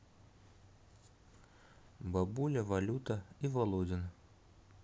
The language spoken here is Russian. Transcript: бабуля валюта и володин